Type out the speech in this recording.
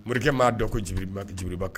Morikɛ m'a dɔn koba tɛ juruba kan